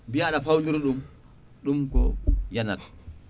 mbiya aɗa fawodira ɗum ɗum ko yanat